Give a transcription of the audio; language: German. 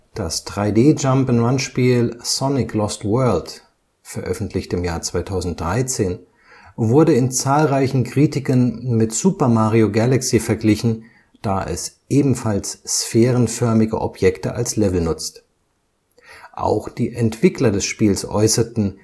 Das 3D-Jump -’ n’ - Run-Spiel Sonic Lost World (Wii U/3DS, 2013) wurde in zahlreichen Kritiken mit Super Mario Galaxy verglichen, da es ebenfalls sphärenförmige Objekte als Level nutzt. Auch die Entwickler des Spiels äußerten